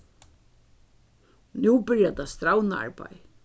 nú byrjar tað strævna arbeiðið